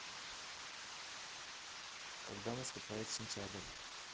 когда наступает сентябрь